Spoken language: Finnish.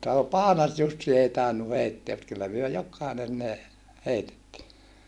tai Paanas-Jussi ei tainnut heittää mutta kyllä me jokainen ne heitettiin